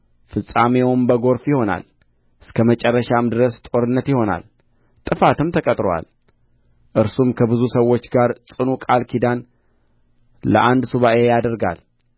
ፍጻሜውም በጐርፍ ይሆናል እስከ መጨረሻም ድረስ ጦርነት ይሆናል ጥፋትም ተቀጥሮአል እርሱም ከብዙ ሰዎች ጋር ጽኑ ቃል ኪዳን ለአንድ ሱባዔ ያደርጋል